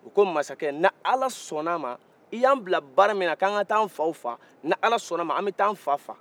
u ko masakɛ ni ala sɔnna a ma e y'an bila baara minna ko an ka taa an faw faga n'i ala sɔnna a ma an bɛ taa an fa faga